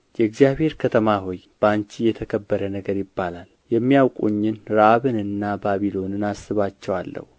የእግዚአብሔር ከተማ ሆይ በአንቺ የተከበረ ነገር ይባላል የሚያውቁኝን ረዓብንና ባቢሎንን አስባቸዋለሁ